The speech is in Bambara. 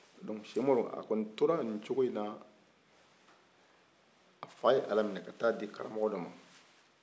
donc sɛkumaru kɔni tora ni cogo in na a fa ye ala minɛ ka taa di karamɔgɔ dɔ ma